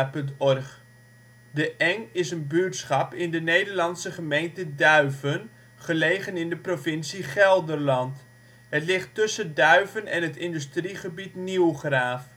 00 ' OL De Eng Plaats in Nederland Situering Provincie Gelderland Gemeente Duiven Coördinaten 51° 57′ NB, 6° 0′ OL Portaal Nederland De Eng is een buurtschap in de Nederlandse gemeente Duiven, gelegen in de provincie Gelderland. Het ligt tussen Duiven en het industriegebied Nieuwgraaf